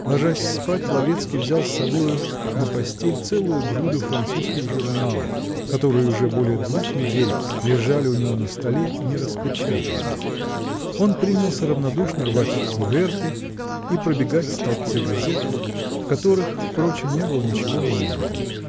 Ложась спать, Лаврецкий взял с собою на постель целую груду французских журналов, которые уже более двух недель лежали у него на столе нераспечатанные, Он принялся равнодушно рвать куверты и пробегать столбцы газет, в которых, впрочем, не было ничего нового.